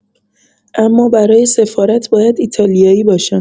اما برای سفارت باید ایتالیایی باشن.